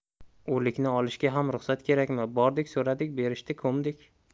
o'likni olishga ham ruxsat kerakmi bordik so'radik berishdi ko'mdik